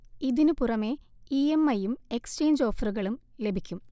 ഇതിന് പുറമെ E M I യും എക്സചേഞ്ച് ഓഫറുകളും ലഭിക്കും